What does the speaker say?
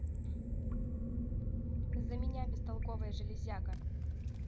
за меня бестолковая железяка